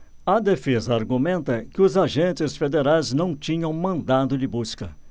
a defesa argumenta que os agentes federais não tinham mandado de busca